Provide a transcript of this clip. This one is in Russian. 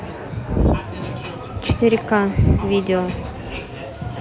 четыре к видео